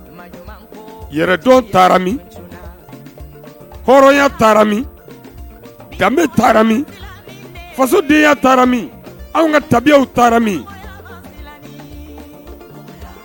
Yɛrɛdon taara min hɔrɔnya taara min danbebe taara min faso denya taara min anw ka tabiya taara min